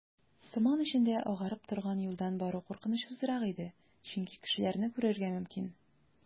Томан эчендә агарып торган юлдан бару куркынычсызрак иде, чөнки кешеләрне күрергә мөмкин.